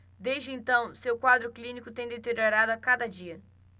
desde então seu quadro clínico tem deteriorado a cada dia